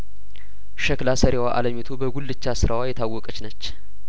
ሸክላ ሰሪዋ አለሚቱ በጉልቻ ስራዋ የታወቀችነች